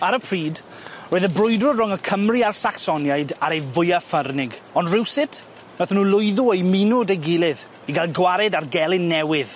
Ar y pryd roedd y brwydro rhwng y Cymry a'r Sacsoniaid ar ei fwya ffyrnig on' rywsut nathon nw lwyddo i muno 'dy 'i gilydd i ga'l gwared ar gelyn newydd.